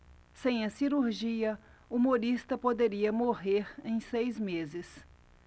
sem a cirurgia humorista poderia morrer em seis meses